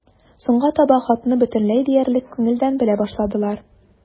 Соңга таба хатны бөтенләй диярлек күңелдән белә башладылар.